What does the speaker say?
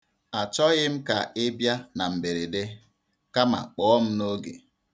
Achọghị m ka ịbịa na mberede, kama kpọọ m n'oge.